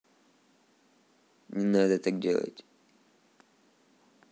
не надо так делать